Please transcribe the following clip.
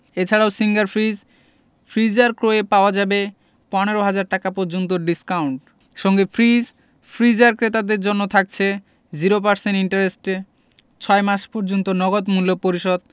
এ ছাড়া Singer fridge freezer ক্রয়ে পাওয়া যাবে ১৫ ০০০ টাকা পর্যন্ত ডিসকাউন্ট সঙ্গে ফ্রিজ/ফ্রিজার ক্রেতাদের জন্য থাকছে ০% ইন্টারেস্টে ৬ মাস পর্যন্ত নগদ মূল্য পরিশোধ